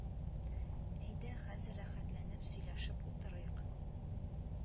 Әйдә, хәзер рәхәтләнеп сөйләшеп утырыйк